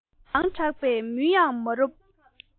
དཀར པོ མང དྲགས པས མུན ཡང མ རུབ